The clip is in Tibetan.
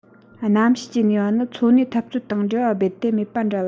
གནམ གཤིས ཀྱི ནུས པ ནི འཚོ གནས འཐབ རྩོད དང འབྲེལ བ རྦད དེ མེད པ འདྲ ལ